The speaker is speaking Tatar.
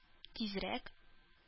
Тизрәк